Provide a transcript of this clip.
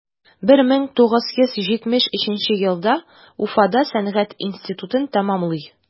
1973 елда уфада сәнгать институтын тәмамлый.